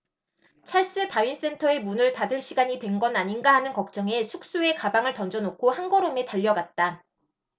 찰스 다윈 센터의 문을 닫을 시간이 된 건 아닌가 하는 걱정에 숙소에 가방을 던져넣고 한걸음에 달려갔다